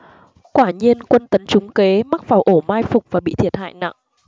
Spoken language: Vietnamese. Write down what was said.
quả nhiên quân tấn trúng kế mắc vào ổ mai phục và bị thiệt hại nặng